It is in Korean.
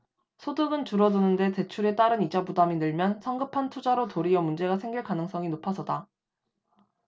소득은 줄어드는데 대출에 따른 이자 부담이 늘면 성급한 투자로 도리어 문제가 생길 가능성이 높아서다